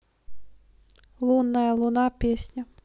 лунная луна песня